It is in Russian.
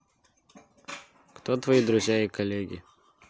кто твои друзья и коллеги